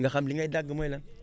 nga xam li ngay dagg mooy lan